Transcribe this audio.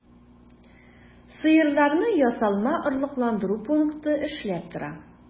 Сыерларны ясалма орлыкландыру пункты эшләп тора.